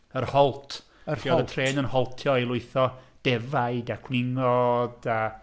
Yr Holt... Yr Holt. ...Lle oedd y dren yn haltio i lwytho defaid a cwningod a...